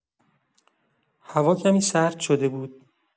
هوا کمی سرد شده بود.